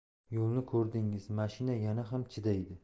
yo'lni ko'rdingiz mashina yana ham chidaydi